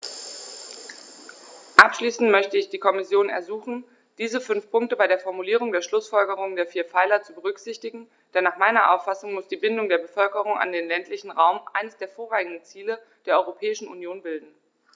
Abschließend möchte ich die Kommission ersuchen, diese fünf Punkte bei der Formulierung der Schlußfolgerungen der vier Pfeiler zu berücksichtigen, denn nach meiner Auffassung muss die Bindung der Bevölkerung an den ländlichen Raum eines der vorrangigen Ziele der Europäischen Union bilden.